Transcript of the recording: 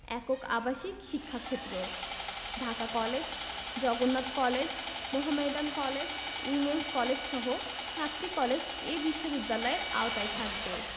একক আবাসিক শিক্ষাক্ষেত্র Dhaka college Jagannath college Mohammedan college women's কলেজসহ সাতটি কলেজ এ বিশ্ববিদ্যালয়ের আওতায় থাকবে